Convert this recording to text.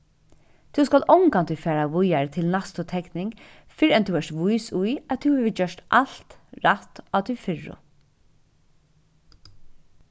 tú skalt ongantíð fara víðari til næstu tekning fyrr enn tú ert vís í at tú hevur gjørt alt rætt á tí fyrru